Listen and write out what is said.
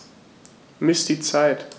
Miss die Zeit.